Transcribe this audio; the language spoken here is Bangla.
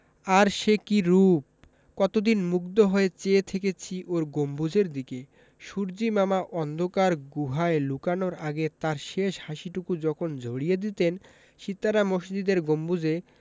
আর সে কি রুপ কতদিন মুগ্ধ হয়ে চেয়ে থেকেছি ওর গম্বুজের দিকে সূর্য্যিমামা অন্ধকার গুহায় লুকানোর আগে তাঁর শেষ হাসিটুকু যখন ঝরিয়ে দিতেন সিতারা মসজিদের গম্বুজে